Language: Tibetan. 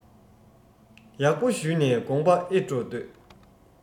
ཡག པོ ཞུས ནས དགོངས པ ཨེ སྤྲོ ལྟོས